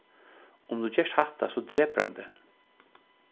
um tú gert hatta so drepur hann teg